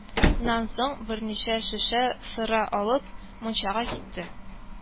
Нан соң, берничә шешә сыра алып, мунчага китте